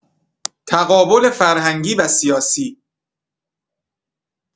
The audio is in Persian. تقابل فرهنگی و سیاسی